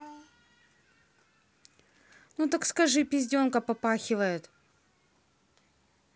ну так скажи пизденка попахивает